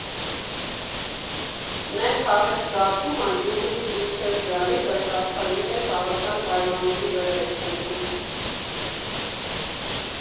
Նենց հավես զգացում ա՝ Գյումրիից դուրս չես գալիս, բայց աշխարհի հետ հավասար պայմանների վրա ես խոսում։